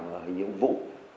mà hình như ông vụ